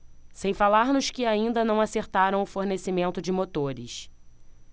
sem falar nos que ainda não acertaram o fornecimento de motores